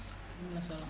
am na solo